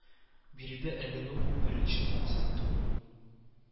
Биредә Әлегә бу беренчел максат түгел